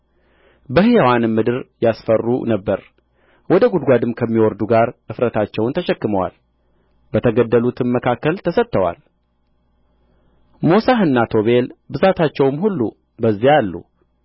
በሕያዋንም ምድር ያስፈሩ ነበር ወደ ጕድጓድም ከሚወርዱ ጋር እፍረታቸውን ተሸክመዋል በተገደሉትም መካከል ተሰጥተዋል ሞሳሕና ቶቤል ብዛታቸውም ሁሉ በዚያ አሉ